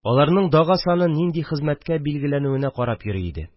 Аларның дага саны нинди хезмәткә билгеләнүенә карап йөри иде